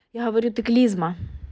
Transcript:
я говорю ты клизма